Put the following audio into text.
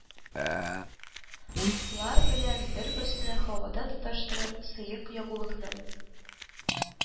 Лар белән бер-берсенә һавада тоташтырып, сыек ягулыкны